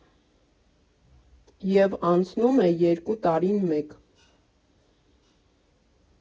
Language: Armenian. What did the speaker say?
ԵՒ անցնում է երկու տարին մեկ։